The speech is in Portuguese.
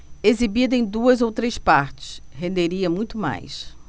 exibida em duas ou três partes renderia muito mais